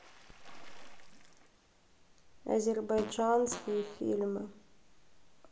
азербайджанские фильмы